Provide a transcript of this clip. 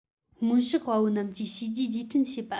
སྔོན གཤེགས དཔའ བོ རྣམས ཀྱི བྱས རྗེས རྗེས དྲན བྱེད པ